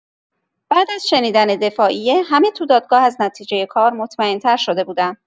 بعد از شنیدن دفاعیه، همه تو دادگاه از نتیجه کار مطمئن‌تر شده بودن.